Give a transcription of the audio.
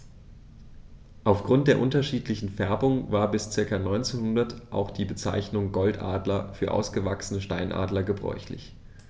Auf Grund der unterschiedlichen Färbung war bis ca. 1900 auch die Bezeichnung Goldadler für ausgewachsene Steinadler gebräuchlich.